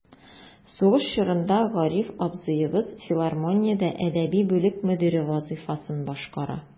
Сугыш чорында Гариф абзыебыз филармониядә әдәби бүлек мөдире вазыйфасын башкара.